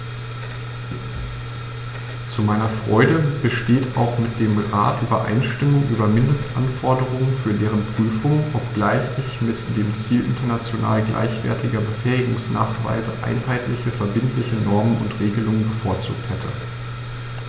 Zu meiner Freude besteht auch mit dem Rat Übereinstimmung über Mindestanforderungen für deren Prüfung, obgleich ich mit dem Ziel international gleichwertiger Befähigungsnachweise einheitliche verbindliche Normen und Regelungen bevorzugt hätte.